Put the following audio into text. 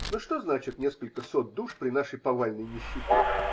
Но что значат несколько сот душ при нашей повальной нищете?